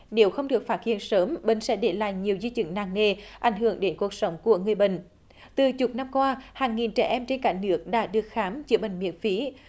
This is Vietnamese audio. nếu không được phát hiện sớm bệnh sẽ để lại nhiều di chứng nặng nề ảnh hưởng đến cuộc sống của người bệnh từ chục năm qua hàng nghìn trẻ em trên cả nước đã được khám chữa bệnh miễn phí